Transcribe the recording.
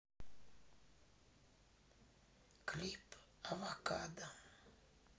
клип авокадо